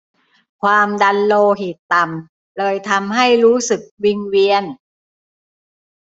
ความดันโลหิตต่ำเลยทำให้รู้สึกวิงเวียน